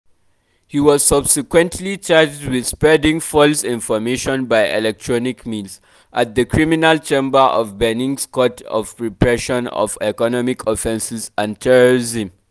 He was subsequently charged with “spreading false information by electronic means” at the Criminal Chamber of Benin’s Court of Repression of Economic Offenses and Terrorism CRIET).